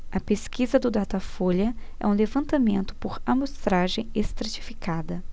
a pesquisa do datafolha é um levantamento por amostragem estratificada